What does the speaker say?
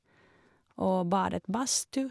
Og badet badstu.